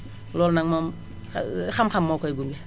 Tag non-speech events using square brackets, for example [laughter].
loolu nag moom [hesitation] xam-xam moo koy gunge